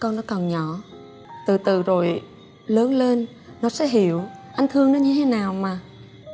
con nó còn nhỏ từ từ rồi lớn lên nó sẽ hiểu anh thương nó như thế nào mà